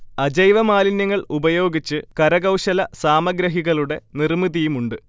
അജൈവ മാലിന്യങ്ങൾ ഉപയോഗിച്ച് കരകൗശല സാമഗ്രഹികളുടെ നിർമിതിയുമുണ്ട്